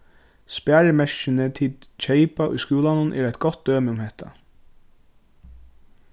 sparimerkini tit keypa í skúlanum eru eitt gott dømi um hetta